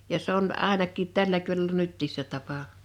ja se on ainakin tällä kylällä nytkin se tapa